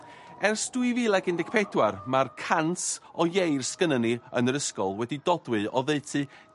Ers dwy fil ag un deg pedwar ma'r cant o ieir sgynnen ni yn yr ysgol wedi dodwy oddeutu